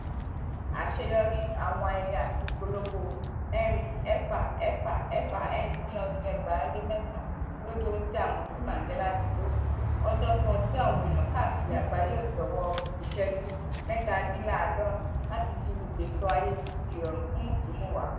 Àṣeyọrí àwọn ayeye àti ipolongo 46664 ní ọdún 2009 ló di ohun tí a mọ̀ sí “Mandela Day” lónìí, ọjọ́ kan tí àwọn eèyàn káàkirì àgbáyé yóò jọ̀wọ́ ìṣẹ́jú 67 láti fi lè sọ ayé di ibi ìrọ̀rùn fún mùtúmùwà.